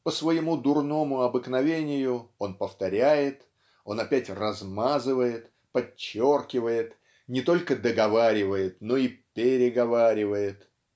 по своему дурному обыкновению он повторяет он опять "размазывает" подчеркивает не только договаривает но и переговаривает.